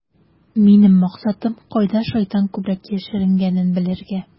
Минем максатым - кайда шайтан күбрәк яшеренгәнен белергә.